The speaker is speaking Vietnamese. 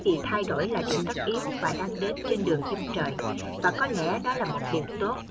bởi vì thay đổi là điều tất yếu và đang đến trên đường chân trời và có lẽ đó là một điều tốt